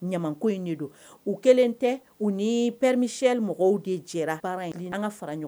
Ɲamanko in de do u kɛlen tɛ u ni pɛmesyɛnli mɔgɔw de jɛra fara in an ka fara ɲɔgɔn